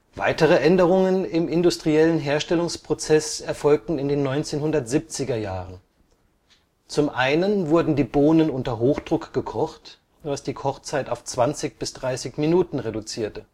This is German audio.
Weitere Änderungen im industriellen Herstellungsprozess erfolgten in den 1970er Jahren. Zum einen wurden die Bohnen unter Hochdruck gekocht, was die Kochzeit auf 20 bis 30 Minuten reduzierte